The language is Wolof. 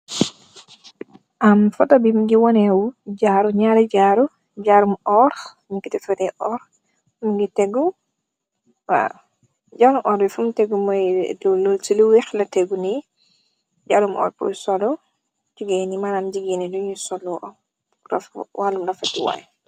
Photo bii mingui wonehwu nyarr yi jaru, jaru orr nyunko defeteh orr mingui tegu jaru orr bi fum tegu moye si lu wehk la tegu nii jaru orr purr solu manam jigeenyi lunyo solu manam si wala refetu waye